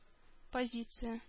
Позиция